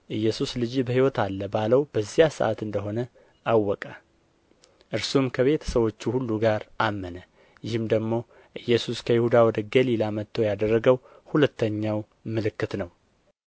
ኢየሱስ ልጅህ በሕይወት አለ ባለው በዚያ ሰዓት እንደ ሆነ አወቀ እርሱም ከቤተ ሰዎቹ ሁሉ ጋር አመነ ይህም ደግሞ ኢየሱስ ከይሁዳ ወደ ገሊላ መጥቶ ያደረገው ሁለተኛ ምልክት ነው